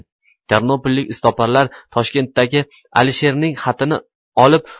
ternopollik iztoparlar toshkentdagi alisherning xatini olib